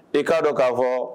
i k'a don k'a fɔ